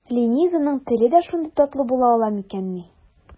Ленизаның теле дә шундый татлы була ала микәнни?